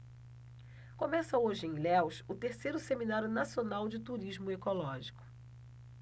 começa hoje em ilhéus o terceiro seminário nacional de turismo ecológico